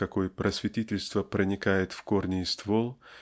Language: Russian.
в какой просветительство проникает в корни и ствол